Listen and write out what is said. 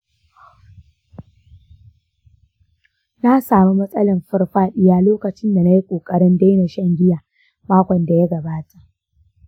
na sami matsalar farfadiya lokacin da na yi ƙoƙarin daina shan giya makon da ya gabata.